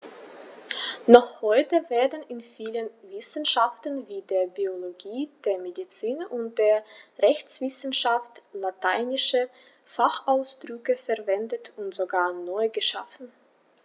Noch heute werden in vielen Wissenschaften wie der Biologie, der Medizin und der Rechtswissenschaft lateinische Fachausdrücke verwendet und sogar neu geschaffen.